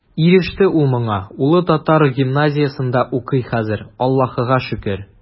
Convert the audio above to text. Иреште ул моңа, улы татар гимназиясендә укый хәзер, Аллаһыга шөкер.